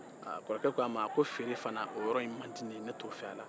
aaa kɔrɔkɛ ko a ma feere fana o yɔrɔ n man di n ye ne t'o fɛ a la